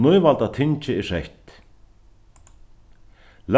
nývalda tingið er sett